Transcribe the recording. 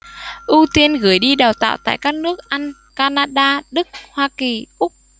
ưu tiên gửi đi đào tạo tại các nước anh canada đức hoa kỳ úc